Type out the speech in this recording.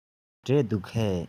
འབྲས འདུག གས